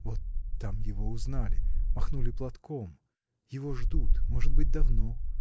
вот там его узнали, махнули платком. Его ждут, может быть, давно.